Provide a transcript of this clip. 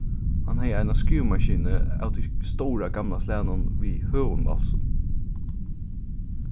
hann hevði eina skrivimaskinu av tí stóra gamla slagnum við høgum valsum